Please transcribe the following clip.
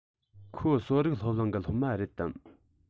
ཁོ གསོ རིག སློབ གླིང གི སློབ མ རེད དམ